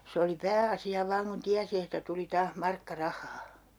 se oli pääasia vain kun tiesi että tuli taas markka rahaa